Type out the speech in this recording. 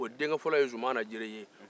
o denkɛ fɔlɔ ye zumana jire ye